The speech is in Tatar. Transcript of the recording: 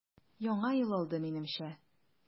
Яңа ел алды, минемчә.